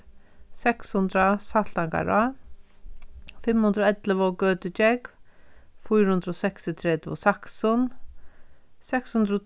seks hundrað saltangará fimm hundrað og ellivu gøtugjógv fýra hundrað og seksogtretivu saksun seks hundrað og